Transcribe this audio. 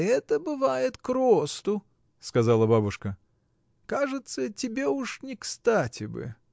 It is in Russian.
— Это бывает к росту, — сказала бабушка, — кажется, тебе уж некстати бы.